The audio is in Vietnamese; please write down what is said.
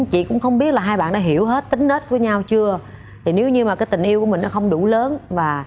chị cũng không biết là hai bạn đã hiểu hết tính nết của nhau chưa thì nếu như mà tình yêu của mình không đủ lớn và